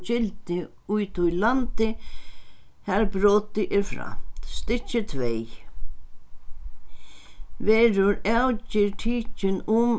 gildi í tí landi har brotið er framt stykki tvey verður avgerð tikin um